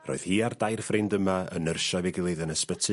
Roedd hi a'r dair ffrind yma yn nyrsio efo'i gilydd yn ysbyty...